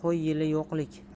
qo'y yili yo'qlik